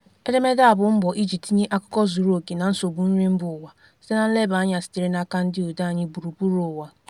Edemede a bụ mbọ iji tinye akụkọ zuru oke na nsogbu nri mbaụwa site na nlebanya sitere n'aka ndị odee anyị gburugburu ụwa.